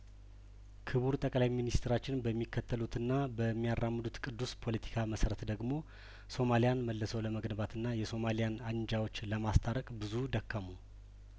ክቡር ጠቅላይ ሚኒስትራችን በሚከተሉትና በሚያራምዱት ቅዱስ ፖለቲካ መሰረት ደግሞ ሶማሊያን መልሰው ለመገንባትና የሶማሊያን አንጃዎች ለማስታረቅ ብዙ ደከሙ